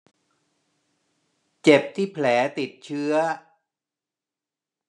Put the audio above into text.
เจ็บที่แผลติดเชื้อ